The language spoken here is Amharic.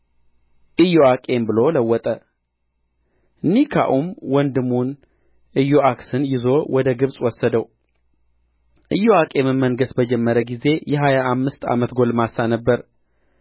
ኢዮአቄም ብሎ ለወጠ ኒካዑም ወንድሙን ኢዮአክስን ይዞ ወደ ግብፅ ወሰደው ኢዮአቄምም መንገሥ በጀመረ ጊዜ የሀያ አምስት ዓመት ጕልማሳ ነበረ